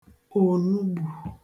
ònugbù